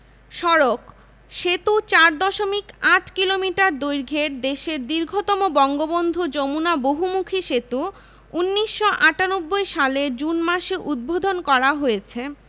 মুদ্রাঃ টাকা ১০০ পয়সায় ১ টাকা জুন ২০০৯ এর তথ্য অনুযায়ী ৬৮ টাকা ৯৪ পয়সা = ১ মার্কিন ডলার